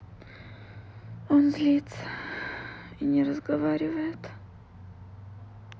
он злится и не разговаривает